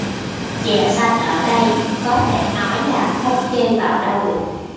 chè xanh ở đây có thể nói là không chê vào đâu được